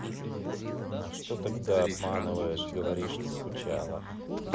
а что тогда обманываешь говоришь что скучала